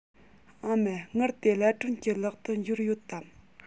ཨ མ དངུལ དེ ལྷ སྒྲོན གྱི ལག ཏུ འབྱོར ཡོད དམ